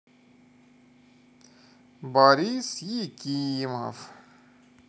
борис якимов